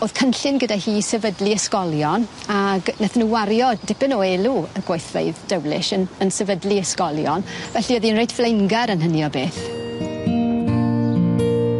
O'dd cynllun gyda hi i sefydlu ysgolion ag nethon nw wario dipyn o elw y gweithfeydd Dowlish yn yn sefydlu ysgolion felly o'dd 'i'n reit flaengar yn hynny o beth.